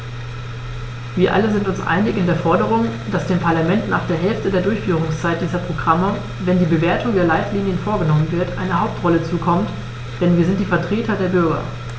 Wir alle sind uns einig in der Forderung, dass dem Parlament nach der Hälfte der Durchführungszeit dieser Programme, wenn die Bewertung der Leitlinien vorgenommen wird, eine Hauptrolle zukommt, denn wir sind die Vertreter der Bürger.